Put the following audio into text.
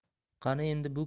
qani endi bu